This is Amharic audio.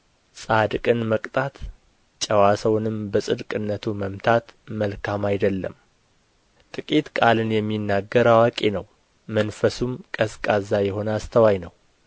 ጻድቅን መቅጣት ጨዋ ሰውንም በጻድቅነቱ መምታት መልካም አይደለም ጥቂት ቃልን የሚናገር አዋቂ ነው መንፈሱም ቀዝቃዛ የሆነ አስተዋይ ነው